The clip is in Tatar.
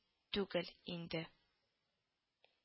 Түгел инде